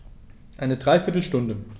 Eine dreiviertel Stunde